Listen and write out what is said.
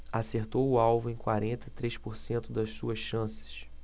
acertou o alvo em quarenta e três por cento das suas chances